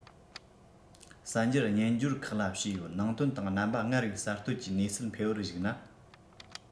གསར འགྱུར སྨྱན སྦྱོར ཁག ལ བྱས ཡོད ནང དོན དང རྣམ པ སྔར བས གསར གཏོད ཀྱིས གནས ཚུལ སྤེལ བར གཞིགས ན